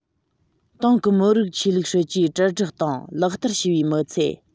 ཏང གི མི རིགས ཆོས ལུགས སྲིད ཇུས དྲིལ བསྒྲགས དང ལག བསྟར བྱས པའི མི ཚད